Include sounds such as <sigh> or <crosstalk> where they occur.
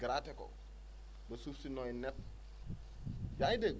gratter ko ba suuf si nooy nepp <noise> yaa ngi dégg